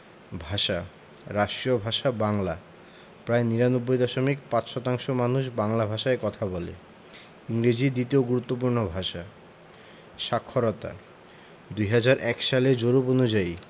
ভাষাঃ রাষ্ট্রীয় ভাষা বাংলা প্রায় ৯৯দশমিক ৫শতাংশ মানুষ বাংলা ভাষায় কথা বলে ইংরেজি দ্বিতীয় গুরুত্বপূর্ণ ভাষা সাক্ষরতাঃ ২০০১ সালের জরিপ অনুযায়ী